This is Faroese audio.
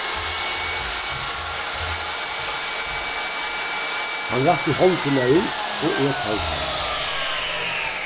hann rætti hondina út og eg tók hana